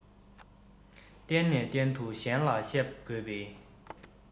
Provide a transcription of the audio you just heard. གཏན ནས གཏན དུ གཞན ལ བཤད དགོས པའི